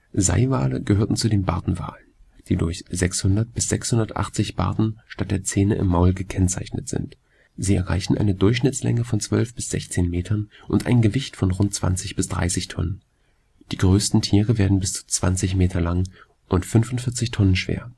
Seiwale gehören zu den Bartenwalen (Mysticeti), die durch 600 bis 680 Barten statt der Zähne im Maul gekennzeichnet sind. Sie erreichen eine Durchschnittslänge von 12 – 16 Metern und ein Gewicht von rund 20 – 30 Tonnen. Die größten Tiere werden bis zu 20 Meter lang und 45 Tonnen schwer